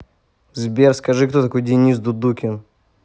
сбер скажи кто такой денис дудукин